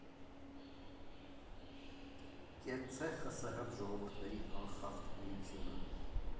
Կեցցե՜ ԽՍՀՄ ժողովուրդների անխախտ միությունը։